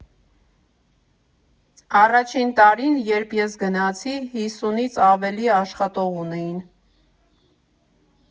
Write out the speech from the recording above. Առաջին տարին, երբ ես գնացի, հիսունից ավելի աշխատող ունեին։